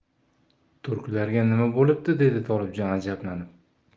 turklarga nima bo'libdi dedi tolibjon ajablanib